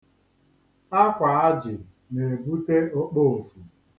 Akwāājị na-ebute okpoofu.